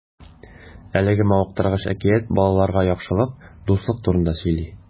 Әлеге мавыктыргыч әкият балаларга яхшылык, дуслык турында сөйли.